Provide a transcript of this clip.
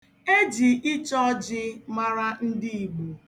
E ji iche ọjị mara ndị Igbo.